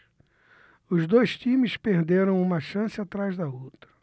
os dois times perderam uma chance atrás da outra